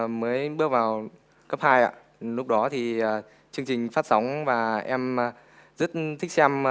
mới bước vào cấp hai ạ lúc đó thì à chương trình phát sóng và em rất thích xem